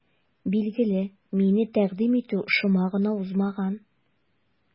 Билгеле, мине тәкъдим итү шома гына узмаган.